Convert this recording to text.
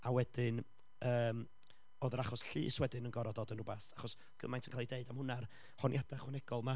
A wedyn, yym, oedd yr achos llys wedyn yn gorod dod yn wbeth, achos gymaint yn cael ei dweud am hwnna, yr honiadau ychwanegol 'ma.